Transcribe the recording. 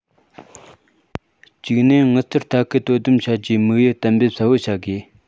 གཅིག ནས དངུལ རྩར ལྟ སྐུལ དོ དམ བྱ རྒྱུའི དམིགས ཡུལ གཏན འབེབས གསལ པོར བྱ དགོས